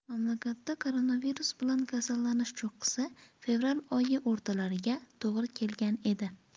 mamlakatda koronavirus bilan kasallanish cho'qqisi fevral oyi o'rtalariga to'g'ri kelgan edi